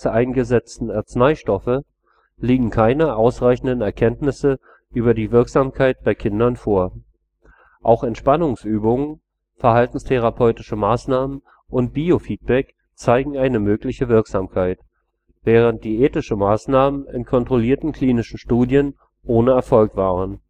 eingesetzten Arzneistoffe liegen keine ausreichenden Erkenntnisse über die Wirksamkeit bei Kindern vor. Auch Entspannungsübungen, verhaltenstherapeutische Maßnahmen und Biofeedback zeigen eine mögliche Wirksamkeit, während diätische Maßnahmen in kontrollierten klinischen Studien ohne Erfolg waren